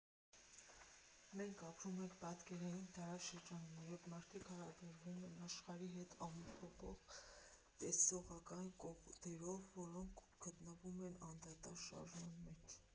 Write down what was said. «Մենք ապրում ենք պատկերային դարաշրջանում, երբ մարդիկ հարաբերվում են աշխարհի հետ ամփոփ տեսողական կոդերով, որոնք գտնվում են անդադար շարժման մեջ։